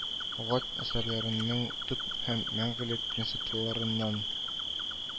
Гать әсәрләренең төп һәм мәңгелек принципларыннан